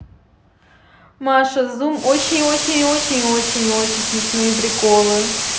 маша зум очень очень очень очень очень очень смешные приколы